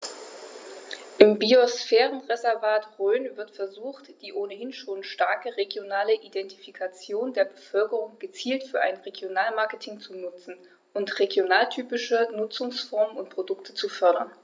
Im Biosphärenreservat Rhön wird versucht, die ohnehin schon starke regionale Identifikation der Bevölkerung gezielt für ein Regionalmarketing zu nutzen und regionaltypische Nutzungsformen und Produkte zu fördern.